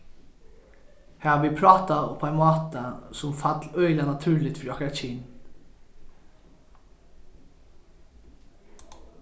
hava vit prátað upp á ein máta sum fall øgiliga natúrligt fyri okkara kyn